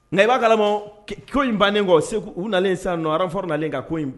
Nka i b'a kalama ko in bannen kɔ segu u nalen sa nɔ fɔralen kan ko in